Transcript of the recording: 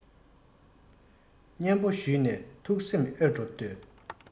སྙན པོ ཞུས ནས ཐུགས སེམས ཨེ སྤྲོ ལྟོས